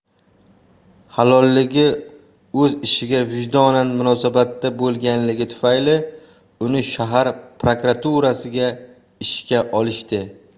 halolligi o'z ishiga vijdonan munosabatda bo'lganligi tufayli uni shahar prokuraturasiga ishga olishdi